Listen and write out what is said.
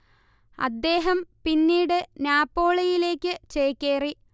അദ്ദേഹം പിന്നീട് നാപ്പോളിയിലേക്ക് ചേക്കേറി